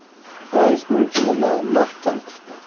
raisning qo'lini mahkam qisdi